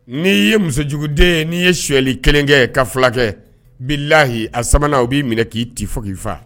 N'i ye musojuguden ye n'i ye shɛyɛli kelen kɛ ka filakɛ n' lahi a sabanan u b'i minɛ k'i tɛ fɔ k'i faa